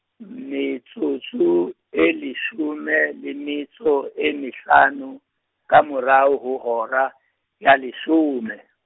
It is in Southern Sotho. metsotso e leshome, le metso e mehlano, ka morao ho hora, ya leshome.